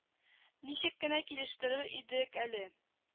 Ничек кенә килештерер идек әле